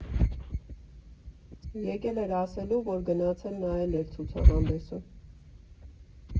Եկել էր ասելու, որ գնացել նայել է ցուցահանդեսը.